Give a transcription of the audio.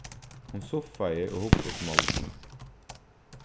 hon suffaði og hugdi eftir moldini